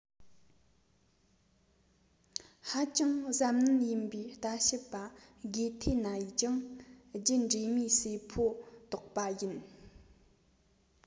ཧ ཅང གཟབ ནན ཡིན པའི ལྟ ཞིབ པ དགེ ཐེ ན ཡིས ཀྱང རྒྱུད འདྲེས མའི ཟེའུ ཕོ བཏོག པ ཡིན